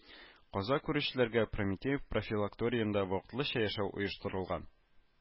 Каза күрүчеләргә Прометей профилакториенда вакытлыча яшәү оештырылган